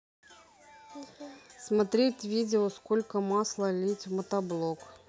смотреть видео сколько масло лить в мотоблок